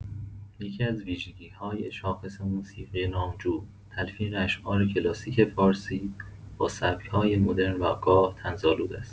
یکی‌از ویژگی‌های شاخص موسیقی نامجو، تلفیق اشعار کلاسیک فارسی با سبک‌های مدرن و گاه طنزآلود است.